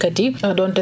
dina fa yegg